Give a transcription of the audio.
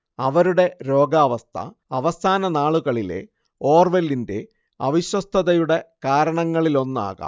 അവരുടെ രോഗാവസ്ഥ അവസാന നാളുകളിലെ ഓർവെലിന്റെ അവിശ്വസ്തതയുടെ കാരണങ്ങളിലൊന്നാകാം